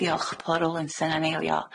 Diolch Paul Rolinson yn eilio.